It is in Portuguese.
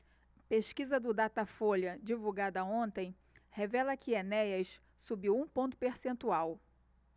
pesquisa do datafolha divulgada ontem revela que enéas subiu um ponto percentual